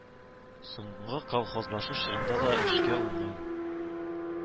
Соңгы колхозлашу чорында да эшкә уңган